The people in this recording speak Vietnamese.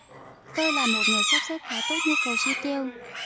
tôi là một người sắp xếp khá tốt nhu cầu chi tiêu